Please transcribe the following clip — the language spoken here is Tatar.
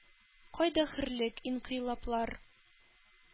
Кайда хөрлек, инкыйлаблар,